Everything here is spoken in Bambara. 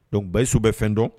Donc Bayusu bɛ fɛn dɔn